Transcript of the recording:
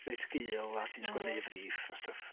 Reit gul a ti'n... m-hm. ...sgwennu i friff a stwff.